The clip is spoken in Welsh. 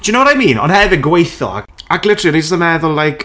Do you know what I mean? Ond hefyd gweithio. Ac literally, o'n i jyst yn meddwl like...